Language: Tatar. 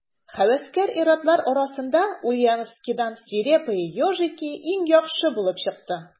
Һәвәскәр ир-атлар арасында Ульяновскидан «Свирепые ежики» иң яхшы булып чыкты.